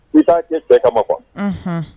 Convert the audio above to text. I taa kɛ tigɛ ka ma kuwa